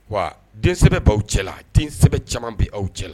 Wa den sɛbɛ baw cɛla . Den sɛbɛ caman bi aw cɛla .